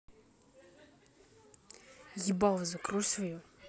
ебало закрой свою